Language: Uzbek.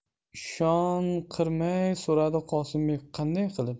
ishonqirmay so'radi qosimbek qanday qilib